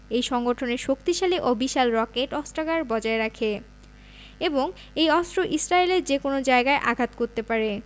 এই সংগঠনের শক্তিশালী ও বিশাল রকেট অস্ত্রাগার বজায় রাখে এবং এই অস্ত্র ইসরায়েলের যেকোনো জায়গায় আঘাত করতে পারে